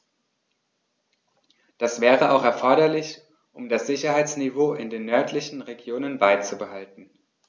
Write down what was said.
Das wäre auch erforderlich, um das Sicherheitsniveau in den nördlichen Regionen beizubehalten.